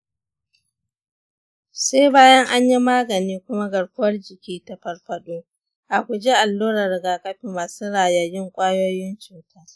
sai bayan an yi magani kuma garkuwar jiki ta farfaɗo. a guji allurar rigakafi masu rayayyun ƙwayoyin cuta .